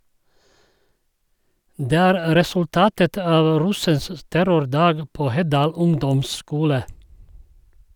Det er resultatet av russens "terrordag" på Heddal ungdomsskole.